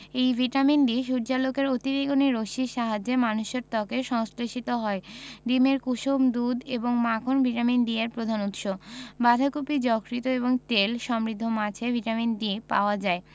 এই vitamin D সূর্যালোকের অতিবেগুনি রশ্মির সাহায্যে মানুষের ত্বকে সংশ্লেষিত হয় ডিমের কুসুম দুধ এবং মাখন ভিটামিন D এর প্রধান উৎস বাঁধাকপি যকৃৎ এবং তেল সমৃদ্ধ মাছে ভিটামিন D পাওয়া যায়